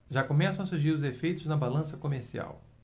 já começam a surgir os efeitos na balança comercial